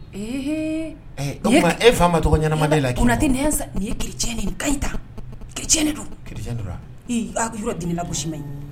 Ee. Ɛɛ o tuma e fa ma tɔgɔ ɲɛnɛma da e la kɛ. Konate n'i ye s ni ye chretien ye, ni ka ɲi tan. Chretien de don. Chrétien de don wa ? Ee aa lagosi ma